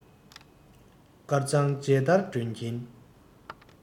དཀར གཙང མཇལ དར སྒྲོན གྱིན